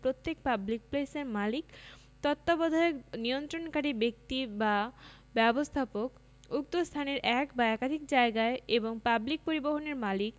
প্রত্যেক পাবলিক প্লেসের মালিক তত্ত্বাবধায়ক নিয়ন্ত্রণকারী ব্যক্তিবা ব্যবস্থাপক উক্ত স্থানের এক বা একাধিক জায়গায় এবং পাবলিক পরিবহণের মালিক